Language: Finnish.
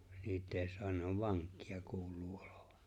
niitä ei saa ne on vankeja kuuluu olevan